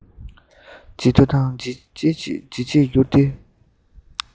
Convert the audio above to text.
ཇེ ཐུ དང ཇེ ཆེར གྱུར ཏེ